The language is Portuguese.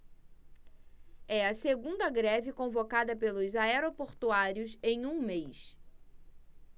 é a segunda greve convocada pelos aeroportuários em um mês